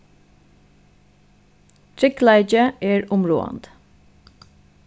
tryggleiki er umráðandi